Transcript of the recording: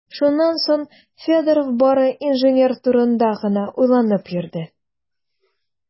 Шуннан соң Федоров бары инженер турында гына уйланып йөрде.